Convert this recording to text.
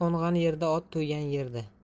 ot to'ygan yerda